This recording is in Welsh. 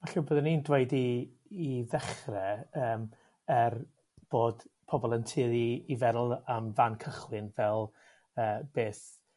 E'lla' byddwn i'n dweud i i ddechre yrm er bod pobol yn tueddu i feddwl am fan cychwyn fel yrr beth